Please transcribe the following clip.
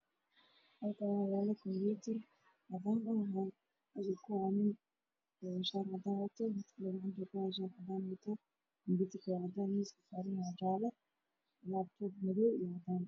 Halkaan waxaa yaalo kumiitar cadaan waxaa heysto nin wato shaar cadaan ah, surwaal cadeys ah, kumiitarku waa cadaan miiska uu saaran yahay waa jaale, laabtoob madow ah.